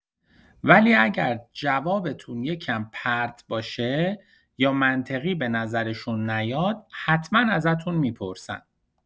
ولی اگر جوابتون یکم پرت باشه یا منطقی بنظرشون نیاد حتما ازتون می‌پرسن